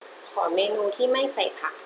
ขอเมนูที่ไม่ใส่ผัก